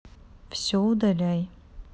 все удаляй